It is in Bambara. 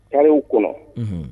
Taw kɔnɔ, unhun.